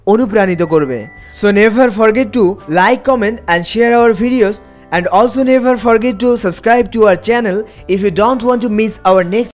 অনুপ্রাণিত করবে so never forget to like comment and share our videos and also never forget to subscribe to our channel if you don't want to miss our next